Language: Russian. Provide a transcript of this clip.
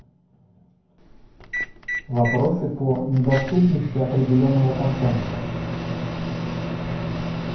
вопросы по недоступности определенного контента